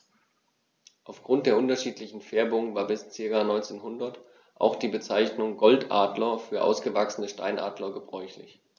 Auf Grund der unterschiedlichen Färbung war bis ca. 1900 auch die Bezeichnung Goldadler für ausgewachsene Steinadler gebräuchlich.